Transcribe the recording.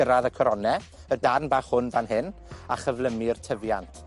gyrradd y corone, y darn bach hwn fan hyn, a chyflymu'r tyfiant.